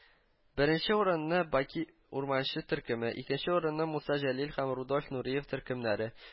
Беренче урынны «Баки Урманче» төркеме, икенче урынны «Муса Җәлил» һәм «Рудольф Нуриев» төркемнәре